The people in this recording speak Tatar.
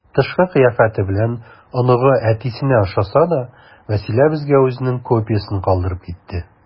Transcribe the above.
Тышкы кыяфәте белән оныгы әтисенә охшаса да, Вәсилә безгә үзенең копиясен калдырып китте.